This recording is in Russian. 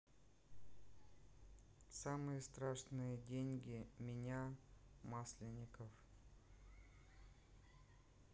самые страшные деньги меня масленников